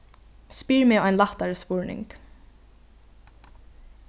spyr meg ein lættari spurning